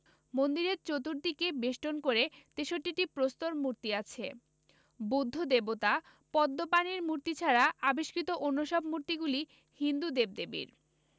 মন্দিরের চতুর্দিকে বেষ্টন করে ৬৩টি প্রস্তর মূর্তি আছে বৌদ্ধ দেবতা পদ্মপাণির মূর্তি ছাড়া আবিষ্কৃত অন্য সব মূর্তিগুলি হিন্দু দেবদেবীর